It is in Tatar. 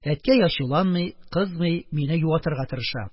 Әткәй ачуланмый, кызмый, мине юатырга тырыша: